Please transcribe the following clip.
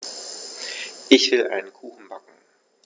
Ich will einen Kuchen backen.